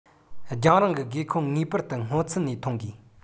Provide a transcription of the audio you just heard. རྒྱང རིང གི དགོས མཁོ ངེས པར དུ སྔོན ཚུད ནས མཐོང དགོས